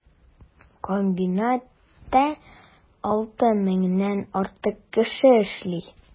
Комбинатта 6 меңнән артык кеше эшли.